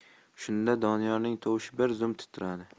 shunda doniyorning tovushi bir zum titradi